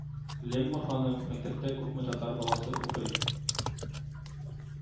Лемма ханым, мәктәптә күпме татар баласы укый